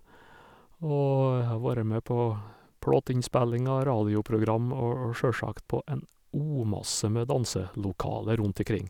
Og jeg har vorre med på plateinnspellinger, radioprogram, og og sjølsagt på en umasse med danselokaler rundt ikring.